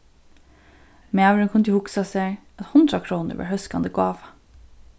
maðurin kundi hugsað sær at hundrað krónur var hóskandi gáva